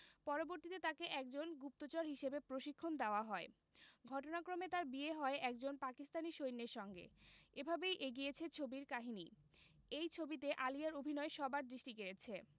পরবর্তীতে তাকে একজন গুপ্তচর হিসেবে প্রশিক্ষণ দেওয়া হয় ঘটনাক্রমে তার বিয়ে হয় একজন পাকিস্তানী সৈন্যের সঙ্গে এভাবেই এগিয়েছে ছবির কাহিনী এই ছবিতে আলিয়ার অভিনয় সবার দৃষ্টি কেড়েছে